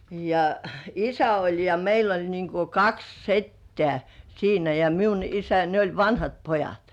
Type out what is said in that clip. ja isä oli ja meillä oli niin kuin kaksi setää siinä ja minun isä ja ne oli vanhat pojat